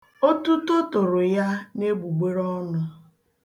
Otuto toro ya n'egbugbere ọnụ